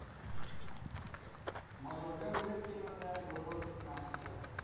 mozorga o'lik kelmasa go'rkov ketmonni chalar